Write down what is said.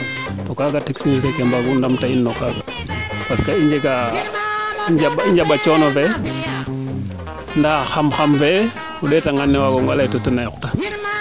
to kaaga technicien ke mbang u ndamta in no kaaga parce que i njega i njamba coono fe nda xam xam fee o ndeeta ngaan ne wagoonga ley to ten a yoqta